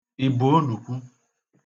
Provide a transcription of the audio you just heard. Ị̀ bụ onukwu?